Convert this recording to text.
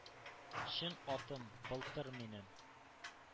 Чын атым «былтыр» минем.